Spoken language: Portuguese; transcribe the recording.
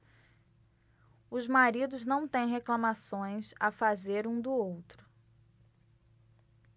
os maridos não têm reclamações a fazer um do outro